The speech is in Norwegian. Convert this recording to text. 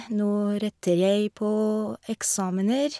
Nå retter jeg på eksamener.